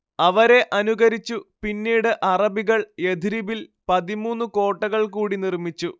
അവരെ അനുകരിച്ചു പിന്നീട് അറബികൾ യഥ്‌രിബിൽ പതിമൂന്നു കോട്ടകൾ കൂടി നിർമ്മിച്ചു